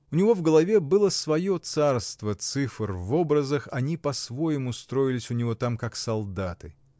У него в голове было свое царство цифр в образах: они по-своему строились у него там, как солдаты.